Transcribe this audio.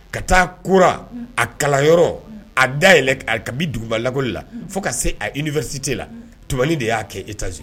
Ka taa kura a kalan yɔrɔ a da yɛlɛ ari kabi duguba lakɔli la fo ka se a i nifasi tɛ la tɛmɛnmani de y'a kɛ e taz